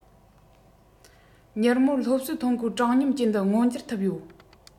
མྱུར མོར སློབ གསོའི ཐོན ཁུངས དྲང སྙོམས ཅན དུ མངོན འགྱུར ཐུབ ཡོད